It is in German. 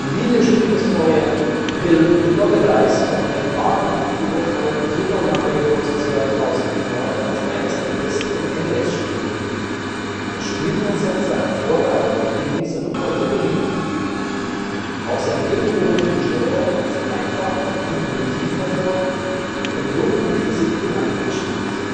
Videospielhistoriker Bill Loguidice und Matt Barton beurteilten Super Mario Bros. 2009 als eines der besten NES-Spiele. Das Spielkonzept sei hervorragend und genieße noch heute Beliebtheit. Außerdem hoben sie die Steuerung als einfach und intuitiv hervor und lobten die Physik innerhalb des Spiels